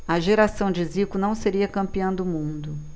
a geração de zico não seria campeã do mundo